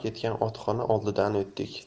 ketgan otxona oldidan o'tdik